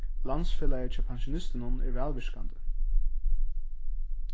landsfelagið hjá pensjonistunum er vælvirkandi